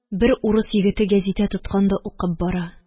Бер урыс егете гәзитә тоткан да укып бара